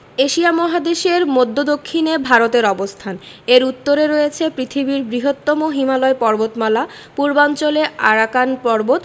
Asia মহাদেশের মদ্ধ্য দক্ষিনে ভারতের অবস্থানএর উত্তরে রয়েছে পৃথিবীর বৃহত্তম হিমালয় পর্বতমালা পূর্বাঞ্চলে আরাকান পর্বত